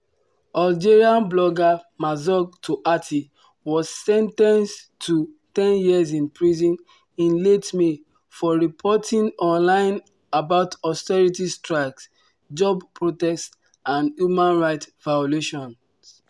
Touati, who has been in jail since January 2017, was convicted of providing “intelligence to agents of a foreign power likely to harm Algeria’s military or diplomatic position or essential economic interests” after posting an interview with an Israeli official online.